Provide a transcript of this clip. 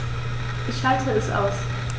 Ich schalte es aus.